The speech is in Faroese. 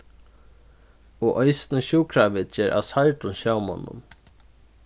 og eisini sjúkraviðgerð av særdum sjómonnum